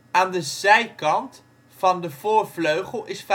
aan de zijkant van de voorvleugel is